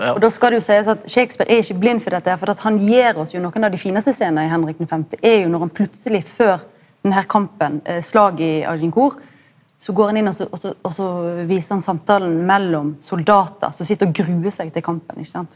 og da skal det jo seiast at Shakespeare er ikkje blind for dette her fordi at han gjev oss jo nokon av dei finaste scenane i Henrik den femte er jo når han plutseleg før den her kampen slaget i Agincourt så går han inn og så og så og så visar han samtalen mellom soldatar som sit og gruer seg til kampen ikkje sant.